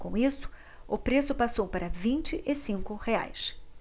com isso o preço passou para vinte e cinco reais